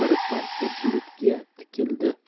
bir parcha bulutga tikildi